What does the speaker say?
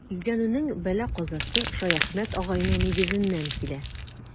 Өйләнүнең бәла-казасы Шәяхмәт агайның нигезеннән килә.